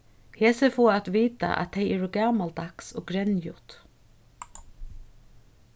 hesi fáa at vita at tey eru gamaldags og grenjut